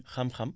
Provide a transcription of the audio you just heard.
xam-xam